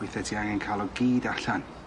Weithe ti angen ca'l o gyd allan.